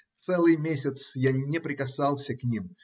Целый месяц я не прикасался к ним.